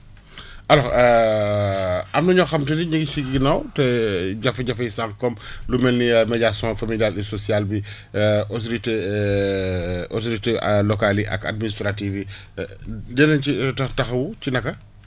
alors am na ñoo xam te ni ñu ngi suñ ginnaaw te jafe-jafe yi sànq comme lu mel ni médiation familiale et sociale bi autorités autorités locales yi ak administratives yi danañ ci taxawu ci naka